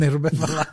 Neu rhywbeth fel'na.